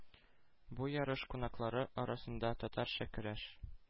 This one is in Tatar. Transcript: Бу ярыш кунаклары арасында татарча көрәш